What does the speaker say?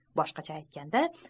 boshqacha aytganda